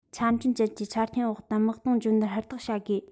ཆ འཕྲིན ཅན གྱི ཆ རྐྱེན འོག ཏུ དམག དོན སྦྱོང བརྡར ཧུར ཐག བྱ དགོས